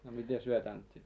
no mitenkäs he tanssivat